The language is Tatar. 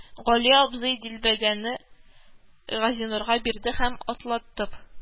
Гали абзый дилбегәне Газинурга бирде һәм атлатып